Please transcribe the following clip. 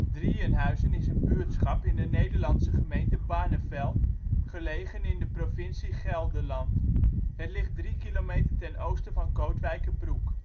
Dieënhuizen is een buurtschap in de Nederlandse gemeente Barneveld, gelegen in de provincie Gelderland. Het ligt 3 kilometer ten oosten van Kootwijkerbroek